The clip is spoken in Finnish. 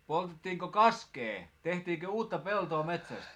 poltettiinko kaskea tehtiinkö uutta peltoa metsästä